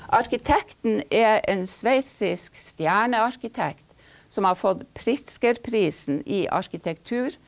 arkitekten er en sveitsisk stjernearkitekt som har fått Pritzkerprisen i arkitektur.